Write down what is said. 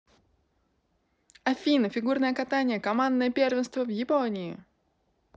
афина фигурное катание командное первенство в японии